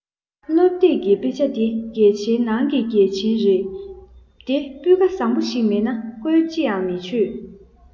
སློབ དེབ ཀྱི དཔེ ཆ འདི གལ ཆེན ནང གི འགངས ཆེན རེད དེ སྤུས ཀ བཟང བོ ཞིག མེད ན བཀོལ ཅི ཡང མི ཆོད